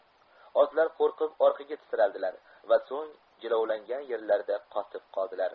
otlar qo'rqib orqaga tisarkldilar va so'ng jilovlangdn yerlarida qotib qoldilar